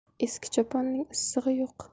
eski choponning issig'i yo'q